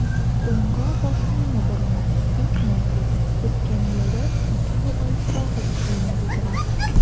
Уңга башымны борам– хикмәт: эскәмиядә ике бабай сагыз чәйнәп утыра.